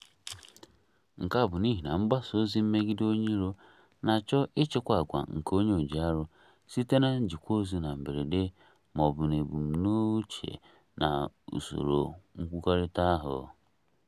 Nke a bụ n'ihi na mgbasa ozi mmegide onye iro "na-achọ ịchịkwa àgwà nke onye ojiarụ" site na "njikwa ozi na mberede ma ọ bụ n'ebumnuche na usoro nkwukọrịta ahụ".